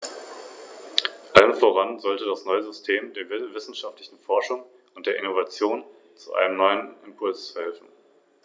Deshalb möchte ich auf einige Probleme aufmerksam machen, denen sich die Kommission vorrangig widmen sollte.